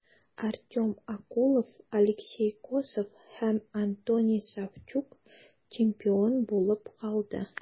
Артем Окулов, Алексей Косов һәм Антоний Савчук чемпион булып калды.